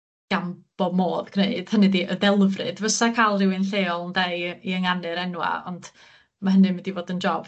gan bo' modd gneud, hynny ydi y delfryd fysa ca'l rhywun lleol ynde i i ynganu'r enwa', ond ma' hynny'n mynd i fod yn job.